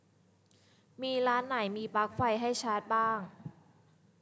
มีร้านไหนมีปลั๊กไฟให้ชาร์จบ้าง